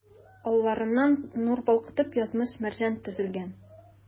Алларыңда, нур балкытып, язмыш-мәрҗән тезелгән.